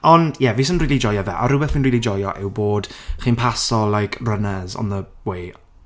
Ond ie, fi jyst yn rili joio fe. A rhywbeth fi'n rili joio yw bod chi'n pasio like runners on the way.